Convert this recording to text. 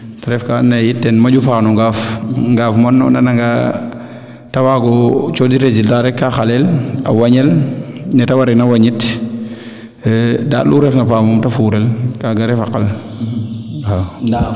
te ref kaa ando naye yit ten moƴu faax no ŋaaf ŋaaf moom o nana nga te waago coondit resultat rek kaa xalel a wañel neete wareena wañit daand lu refna paamum te furel kaaga ref a qal waa